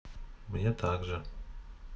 мне также